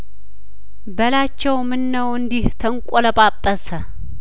በላቸው ምነው እንዲህ ተንቆ ለጳጰሰ